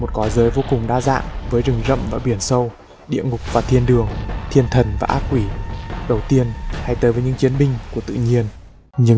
một cõi giới vô cùng đa dạng với rừng rậm và biển sâu địa ngục và thiên đường thiên thần và ác quỷ đầu tiên hãy tới với những chiến binh của tự nhiên